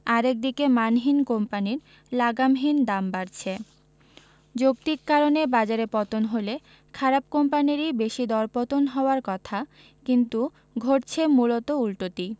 আরেক দিকে মানহীন কোম্পানির লাগামহীন দাম বাড়ছে যৌক্তিক কারণে বাজারে পতন হলে খারাপ কোম্পানিরই বেশি দরপতন হওয়ার কথা কিন্তু ঘটছে মূলত উল্টোটি